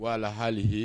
Wala halil